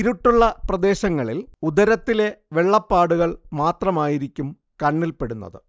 ഇരുട്ടുള്ള പ്രദേശങ്ങളിൽ ഉദരത്തിലെ വെള്ളപ്പാടുകൾ മാത്രമായിരിക്കും കണ്ണിൽപ്പെടുന്നത്